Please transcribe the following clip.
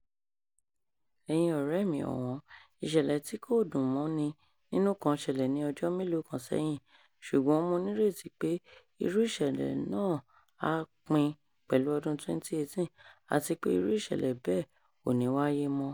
Ẹ̀yin ọ̀rẹ́ẹ̀ mi ọ̀wọ́n, ìṣẹ̀lẹ̀ tí kò dùn mọ́ni nínú kan ṣẹlẹ̀ ní ọjọ́ mélòó kan sẹ́yìn, ṣùgbọ́n mo nírètí pé irú ìṣẹ̀lẹ̀ náà á pín pẹ̀lú ọdun 2018 àti pé irú ìṣẹ̀lẹ̀ bẹ́ẹ̀ ò ní wáyé mọ́.